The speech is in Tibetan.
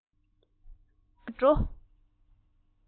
སྐར གྲངས རྩི བཞིན ཡོད འགྲོ